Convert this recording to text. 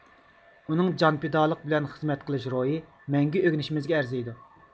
ئۇنىڭ جان پىدالىق بىلەن خىزمەت قىلىش روھى مەڭگۈ ئۆگىنىشىمىزگە ئەرزىيدۇ